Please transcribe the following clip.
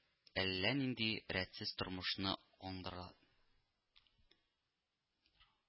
Әллә нинди рәтсез тормышны аңдыра